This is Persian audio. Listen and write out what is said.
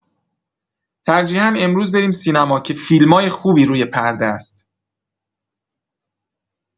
ترجیحا امروز بریم سینما که فیلمای خوبی رو پرده است.